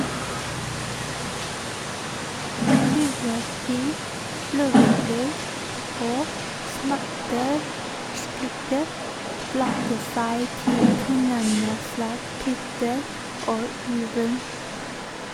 Ulvehyl, løvebrøl og smerteskrik blandet seg til tonene fra "Peter og Ulven".